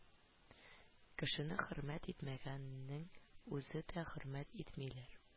Кешене хөрмәт итмәгәннең үзен дә хөрмәт итмиләр